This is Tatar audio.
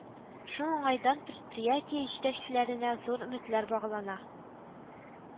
Шул уңайдан предприятие җитәкчеләренә зур өметләр баглана